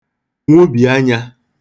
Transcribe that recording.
nwubì anyā